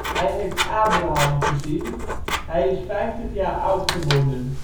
heeft Abraham gezien - hij is vijftig jaar oud geworden